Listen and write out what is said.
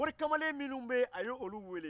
mori kamalen minnu bɛ yen a ye olu weele